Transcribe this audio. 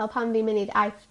fel pan ni'n myn' i'r Aifft